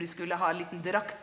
du skulle ha en liten drakt.